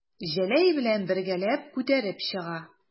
Җәләй белән бергәләп күтәреп чыга.